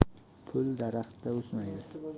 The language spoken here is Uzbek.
pul daraxtda o'smaydi